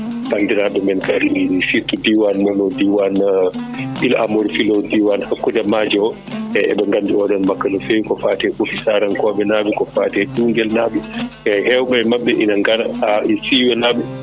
bandiraɓe men kadi surtout diwan men o diwan phillamo* diwan hakkude maaje o eɓe gandi oɗon makka no fewi ko fate Ɓooki Sarankoɓe ko fate Duguel naɓe e hewɓe mabɓe ina gara haa e Siiwe naɓe